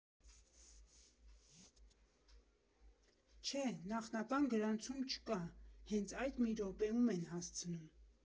Չէ, նախնական գրանցում չկա, հենց այդ մի րոպեում են հասցնում։